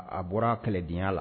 A aa bɔra kɛlɛdenya la